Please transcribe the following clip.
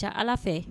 Ca Ala fɛ